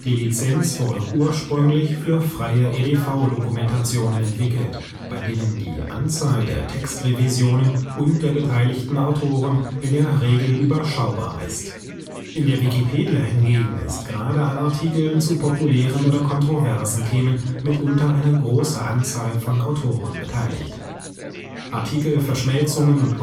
Lizenz wurde ursprünglich für freie EDV-Dokumentationen entwickelt, bei denen die Anzahl der Textrevisionen und der beteiligten Autoren in der Regel überschaubar ist. In der Wikipedia hingegen ist gerade an Artikeln zu populären oder kontroversen Themen mitunter eine große Anzahl von Autoren beteiligt. Artikelverschmelzungen und